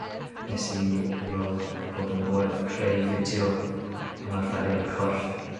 nes i efo pobol yn gwaith creu fideo ymarferion corff